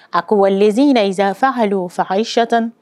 A ko